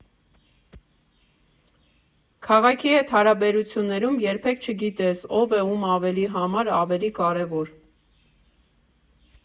Քաղաքի հետ հարաբերություններում երբեք չգիտես ով է ում ավելի համար ավելի կարևոր։